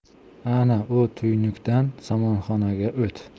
ana u tuynukdan somonxonaga o't